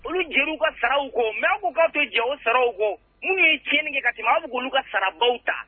Olu jeliw ka saraw kɔ mɛ ko k' to jɛ saraw kɔ n ye tiɲɛn kɛ ka tɛmɛ' ka sarabaw ta